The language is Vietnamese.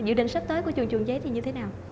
dự định sắp tới của chuồn chuồn giấy thì như thế nào